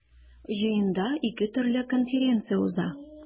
Җыенда ике төрле конференция уза.